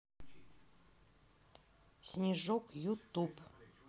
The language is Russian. снежок ютуб